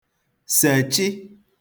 sèchị